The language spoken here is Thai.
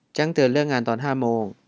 แจ้งเตือนเลิกงานตอนห้าโมง